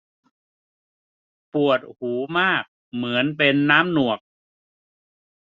ปวดหูมากเหมือนเป็นน้ำหนวก